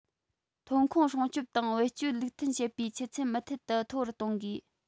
ཐོན ཁུངས སྲུང སྐྱོང དང བེད སྤྱོད ལུགས མཐུན བྱེད པའི ཆུ ཚད མུ མཐུད མཐོ རུ གཏོང དགོས